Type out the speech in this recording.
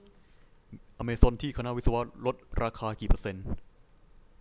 อเมซอนที่คณะวิศวะลดราคากี่เปอร์เซ็นต์